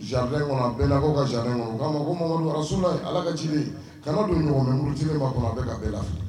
Janffi kɔnɔ bɛɛna ko ka sa ko mamadu ala ka ci kana don ɲɔgɔn min sigilen b' kɔnɔ a fɛ ka bɛɛ la